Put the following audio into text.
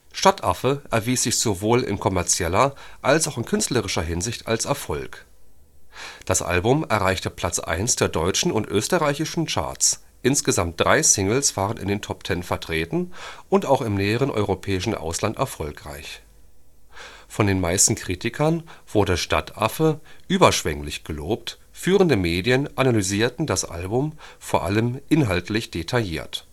Stadtaffe erwies sich sowohl in kommerzieller als auch in künstlerischer Hinsicht als Erfolg. Das Album erreichte Platz 1 der deutschen und österreichischen Charts, insgesamt drei Singles waren in den Top Ten vertreten und auch im näheren europäischen Ausland erfolgreich. Von den meisten Kritikern wurde Stadtaffe überschwänglich gelobt, führende Medien analysierten das Album vor allem inhaltlich detailliert